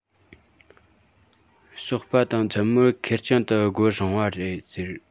ཞོགས པ དང མཚན མོར ཁེར རྐྱང དུ སྒོ སྲུང བ རེད ཟེར